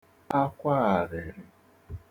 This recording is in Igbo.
akwa àrị̀rị̀